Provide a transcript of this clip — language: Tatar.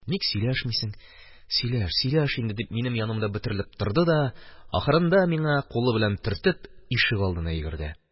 «ник сөйләшмисең, сөйләш, сөйләш инде!» – дип, минем янымда бөтерелеп торды да, ахырында миңа кулы белән төртеп, ишегалдына йөгерде.